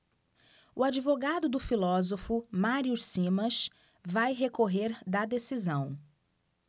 o advogado do filósofo mário simas vai recorrer da decisão